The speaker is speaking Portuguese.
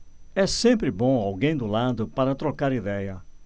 é sempre bom alguém do lado para trocar idéia